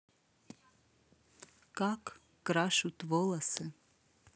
как крашут волосы